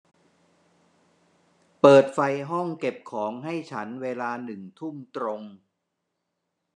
เปิดไฟห้องเก็บของให้ฉันเวลาหนึ่งทุ่มตรง